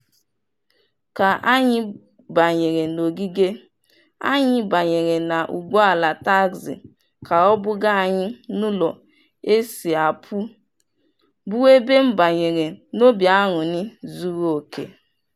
Ka anyị banyere n'ogige, anyị banyere na ụgbọala taxi ka o buga anyị n'ụlọ esi apụ, bụ ebe m banyere n'obi aṅụrị zuru oke.